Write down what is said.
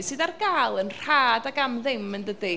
sydd ar gael yn rhad ac am ddim yn dydi.